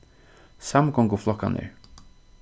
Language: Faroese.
samgonguflokkarnir